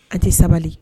A' tɛ sabali